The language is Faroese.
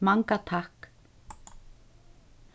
manga takk